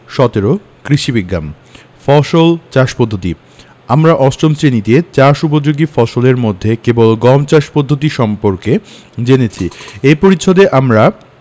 ১৭ কৃষি বিজ্ঞান ফসল চাষ পদ্ধতি আমরা অষ্টম শ্রেণিতে চাষ উপযোগী ফসলের মধ্যে কেবল গম ফসল চাষ পদ্ধতি সম্পর্কে জেনেছি এ পরিচ্ছেদে আমরা